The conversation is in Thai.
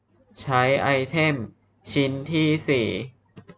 ใช้ไอเทมชิ้นที่สี่